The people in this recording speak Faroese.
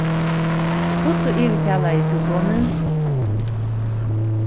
hvussu yvirtalaði tú sonin